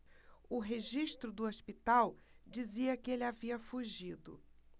o registro do hospital dizia que ele havia fugido